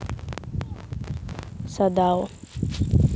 садао